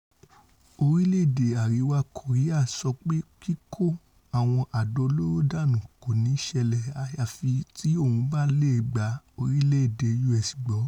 orílẹ̀-èdè Àrìwá Kòríà sọ pé kíkó àwọn àdó olóro dánù kòní ṣẹlẹ́ àyàfi tí òun bá leè gba orílẹ̀-èdè US gbọ́